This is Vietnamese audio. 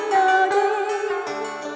đi